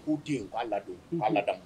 K ko den ko ladon'da